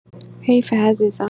حیفه عزیزم